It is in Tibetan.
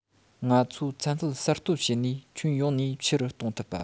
ང ཚོའི ཚན རྩལ གསར གཏོད བྱེད ནུས ཁྱོན ཡོངས ནས ཆེ རུ གཏོང ཐུབ པ